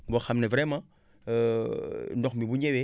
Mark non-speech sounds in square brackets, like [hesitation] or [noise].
boo xam ne vraiment [hesitation] ndox mi bu ñëwee